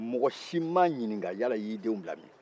mɔgɔ si m'a ɲininka yala i y'i denw bila min